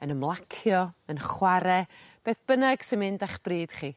yn ymlacio yn chware beth bynnag sy'n mynd a'ch bryd chi.